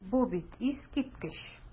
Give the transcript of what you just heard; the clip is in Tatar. Бу бит искиткеч!